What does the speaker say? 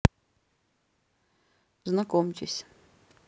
знакомьтесь